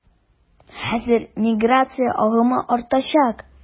Хәзер миграция агымы артачак.